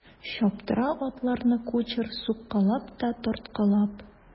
Чаптыра атларны кучер суккалап та тарткалап.